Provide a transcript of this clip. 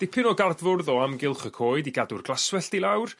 Dipyn o gardfwrdd o amgylch y coed i gadw'r glaswellt i lawr